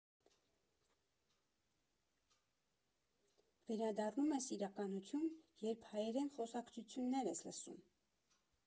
Վերադառնում ես իրականություն, երբ հայերեն խոսակցություններ ես լսում։